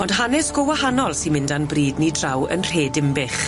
Ond hanes go wahanol sy'n mynd a'n bryd ni draw yn nhre Dimbych.